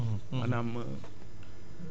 loolu loolu bmooy matière organique